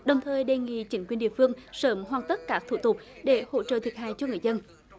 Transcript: đồng thời đề nghị chính quyền địa phương sớm hoàn tất các thủ tục để hỗ trợ thiệt hại cho người dân